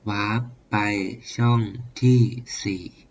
วาปไปช่องที่สี่